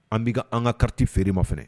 An bɛ an ka carte feere i ma fɛnɛ.